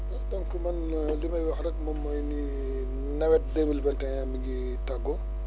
donc man li may wax rek moom mooy ni nawet deux mille vingt et un mi ngi tàggoo